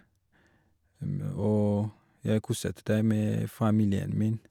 Og jeg koset deg med familien min.